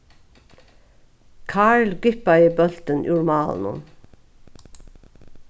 karl gippaði bóltin úr málinum